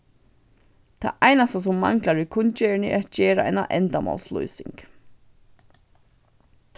tað einasta sum manglar í kunngerðini er at gera eina endamálslýsing